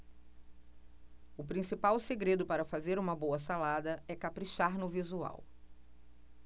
o principal segredo para fazer uma boa salada é caprichar no visual